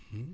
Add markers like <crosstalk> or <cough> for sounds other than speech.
<hesitation>